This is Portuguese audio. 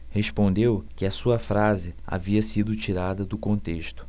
respondeu que a sua frase havia sido tirada do contexto